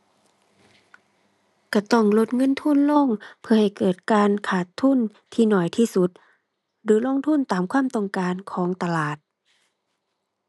ก็ต้องลดเงินทุนลงเพื่อให้เกิดการขาดทุนที่น้อยที่สุด หรือลงทุนตามความต้องการของตลาด